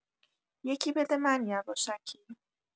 یکی بده من یواشکی